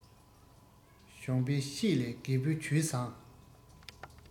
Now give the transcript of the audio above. གཞོན པའི ཤེད ལས རྒན པོའི ཇུས བཟང